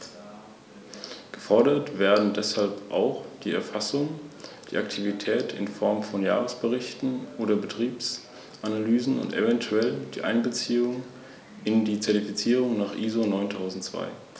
Mit den dazu in einer anderen Richtlinie, verankerten Normen sollten Menschen verantwortungsbewusst über die Beförderung gefährlicher Güter beraten werden können.